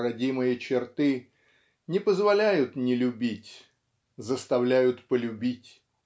родимые черты" не позволяют не любить заставляют полюбить.